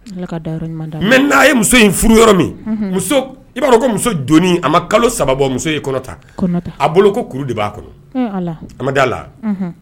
Mɛ n' ye muso furu min i b'a ko musonin a ma kalo saba muso kɔnɔta a bolo ko de b'a kɔnɔ a la